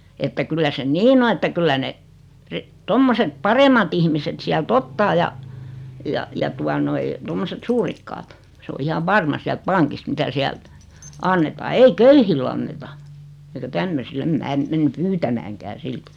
että kyllä se niin on että kyllä ne - tuommoiset paremmat ihmiset sieltä ottaa ja ja ja tuota noin tuommoiset suurikkaat se on ihan varma sieltä pankista mitä sieltä annetaan ei köyhille anneta eikä tämmöisille en minä mene pyytämäänkään silti